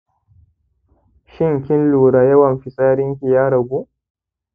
shin kin lura yawan fitsarinki ya ragu?